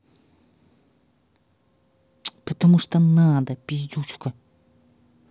потому что надо пиздючка